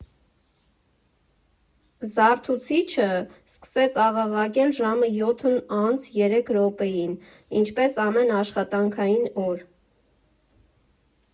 Զարթուցիցչը սկսեց աղաղակել ժամը յոթն անց երեք րոպեին՝ ինչպես ամեն աշխատանքային օր։